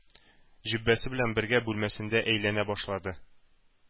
Җөббәсе белән бергә бүлмәсендә әйләнә башлады.